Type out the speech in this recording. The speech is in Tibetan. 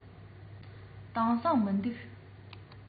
དེང སང མི འདུག